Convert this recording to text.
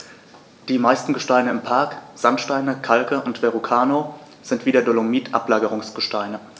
Die meisten Gesteine im Park – Sandsteine, Kalke und Verrucano – sind wie der Dolomit Ablagerungsgesteine.